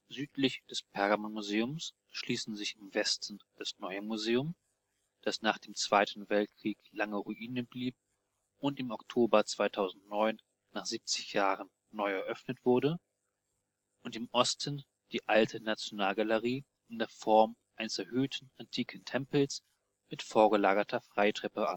Südlich des Pergamonmuseums schließen sich im Westen das Neue Museum, das nach dem Zweiten Weltkrieg lange Ruine blieb und im Oktober 2009 nach 70 Jahren neu eröffnet wurde, und im Osten die Alte Nationalgalerie in der Form eines erhöhten antiken Tempels mit vorgelagerter Freitreppe